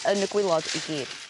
yn y gwilod i gyd.